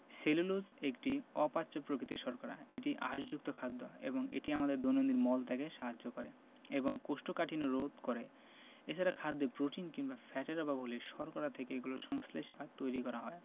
cellulose একটি অপাচ্য প্রকৃতির শর্করা এটি আঁশযুক্ত খাদ্য এবং এটি আমাদের দৈনন্দিন মল ত্যাগে সাহায্য করে এবং কোষ্ঠকাঠিন্য রোধ করে এছাড়া খাদ্যে প্রোটিন কিংবা ফ্যাটের অভাব হলে শর্করা থেকে এগুলো সংশ্লেষ বা তৈরী করা হয়